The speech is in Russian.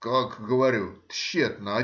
— Как,— говорю,— тщетно?